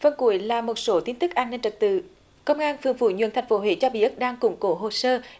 phần cuối là một số tin tức an ninh trật tự công an phường phú nhuận thành phố huế cho biết đang củng cố hồ sơ